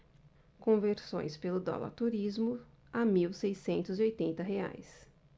conversões pelo dólar turismo a mil seiscentos e oitenta reais